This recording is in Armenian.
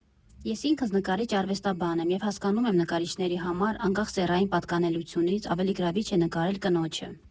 Ես ինքս նկարիչ֊արվեստաբան եմ, և հասկանում եմ նկարիչների համար, անկախ սեռային պատկանելությունից, ավելի գրավիչ է նկարել կնոջը։